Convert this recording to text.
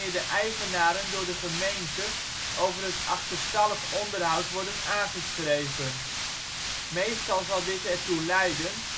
de eigenaren door de gemeente over het achterstallig onderhoud worden aangeschreven. Meestal zal dit ertoe leiden